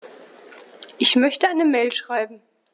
Ich möchte eine Mail schreiben.